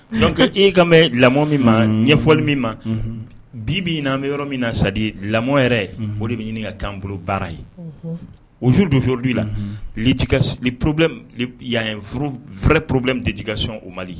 . Donc e kan bɛ lamɔ min ma, ɲɛfɔli min ma, unhun , bi bi in na an bɛ yɔrɔ min na c'est à dire lamɔ yɛrɛ, unhun, o de bɛ ɲini ka k'an bolo baara ye, unhun, au jour d'aujourd'hui la, unhun, l'éducation, le problème, le y'a un vr vrai problème d'éducation au Mali